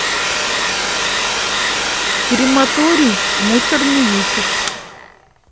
крематорий мусорный ветер